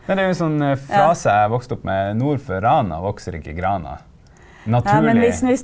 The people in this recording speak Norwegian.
det er jo en sånn frase jeg har vokst opp med, nord for rana vokser ikke grana naturlig.